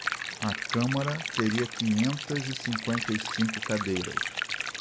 a câmara teria quinhentas e cinquenta e cinco cadeiras